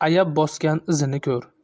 ayab bosgan izini ko'r